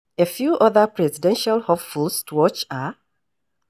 A few other presidential hopefuls to watch are: